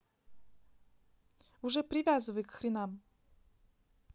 уже привязывай к хренам